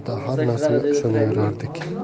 da har narsaga ishonaverardik